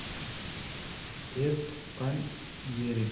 er tuqqan yeriga